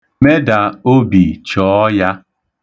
Meda obi chọọ ya.